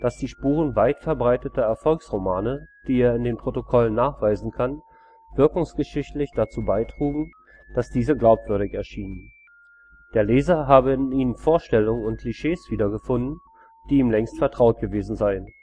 dass die Spuren weit verbreiteter Erfolgsromane, die er in den Protokollen nachweisen kann, wirkungsgeschichtlich dazu beitrugen, dass diese glaubwürdig erschienen: Der Leser habe in ihnen Vorstellungen und Klischees wiedergefunden, die ihm längst vertraut gewesen seien